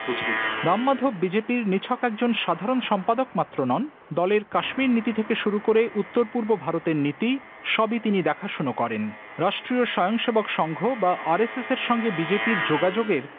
রাম মাধব বিজেপির শুধু নিছক একজন সাধারণ সম্পাদক মাত্র নন দলের কাশ্মীর নীতি থেকে শুরু করে উত্তর-পূর্ব ভারতের নীতি সবই তিনি দেখাশুনো করেন স্বয়ংসেবক সংঘ বা আরএসএস এর সঙ্গে বিজেপির যোগাযোগের